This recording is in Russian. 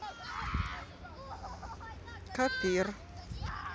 копир